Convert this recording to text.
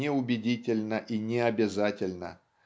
неубедительна и необязательна.